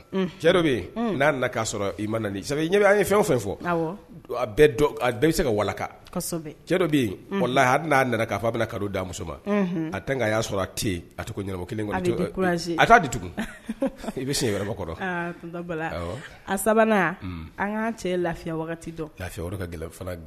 Se laha n'a nana ka muso ma a a y'a sɔrɔ a tɛ a to kelen a di i bɛ sigi wɛrɛ kɔrɔ a sabanan an'an cɛ lafiya dɔn lafi ka gɛlɛn